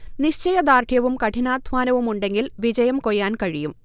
നിശ്ചയ ദാർഢ്യവും കഠിനാധ്വാനവും ഉണ്ടെങ്കിൽ വിജയം കൊയ്യാൻ കഴിയും